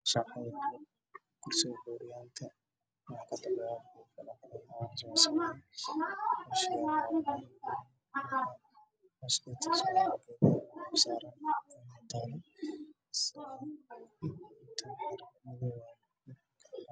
Meeshan waxaa yaalo kursigo curyaanka lagu qaado